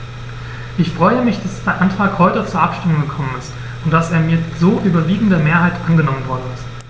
Ich freue mich, dass der Antrag heute zur Abstimmung gekommen ist und dass er mit so überwiegender Mehrheit angenommen worden ist.